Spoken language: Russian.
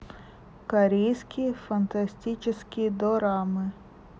корейские фантастические дорамы